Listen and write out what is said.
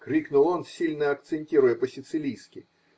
-- крикнул он, сильно акцентируя по сицилийски.